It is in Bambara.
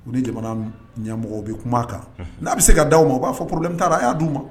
U ni jamana ɲɛmɔgɔ bɛ kuma kan; Unhun ;N'a bɛ se ka d'aw ma u b'a fɔ :problème _ taara a y'a d'u ma.